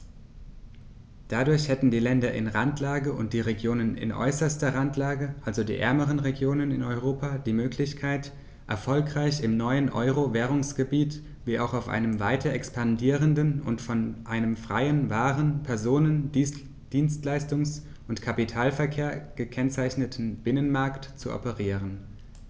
Dadurch hätten die Länder in Randlage und die Regionen in äußerster Randlage, also die ärmeren Regionen in Europa, die Möglichkeit, erfolgreich im neuen Euro-Währungsgebiet wie auch auf einem weiter expandierenden und von einem freien Waren-, Personen-, Dienstleistungs- und Kapitalverkehr gekennzeichneten Binnenmarkt zu operieren.